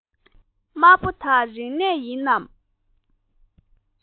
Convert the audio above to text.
དམར པོ དག རིག གནས ཡིན ནམ